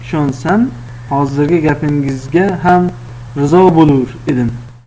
ishonsam hozirgi gapingizga ham rizo bo'lur edim